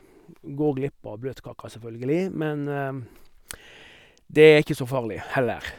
Går glipp av bløtkaka, selvfølgelig, men det er ikke så farlig heller.